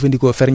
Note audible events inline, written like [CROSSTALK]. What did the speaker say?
[HESITATION] [HESITATION]